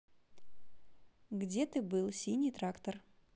где ты был синий трактор